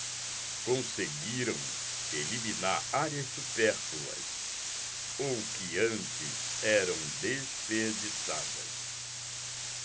conseguiram eliminar áreas supérfluas ou que antes eram desperdiçadas